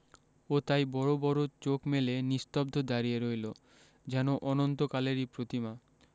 ও তাই বড় বড় চোখ মেলে নিস্তব্ধ দাঁড়িয়ে রইল যেন অনন্তকালেরই প্রতিমা